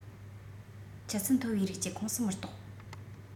ཆུ ཚད མཐོ བའི རིགས གྱི ཁོངས སུ མི གཏོགས